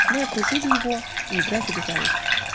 Мы окружили его, и игра завязалась.